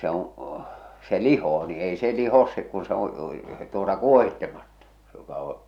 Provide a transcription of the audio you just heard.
se on se lihoo niin ei se liho se kun se on tuota kuohitsematta se joka on